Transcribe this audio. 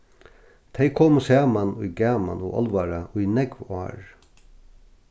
tey komu saman í gaman og álvara í nógv ár